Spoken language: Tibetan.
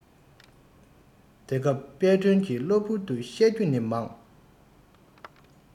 དེ སྐབས དཔལ སྒྲོན གྱི གློ བུར དུ བཤད རྒྱུ ནི མང